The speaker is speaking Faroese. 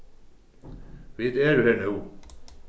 vit eru her nú